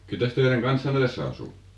ketäs teidän kanssanne tässä asuu